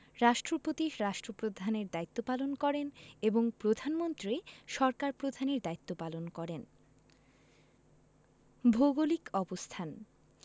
রাষ্ট্রপতি রাষ্ট্রপ্রধানের দায়িত্ব পালন করেন এবং প্রধানমন্ত্রী সরকার প্রধানের দায়িত্ব পালন করেন ভৌগোলিক অবস্থানঃ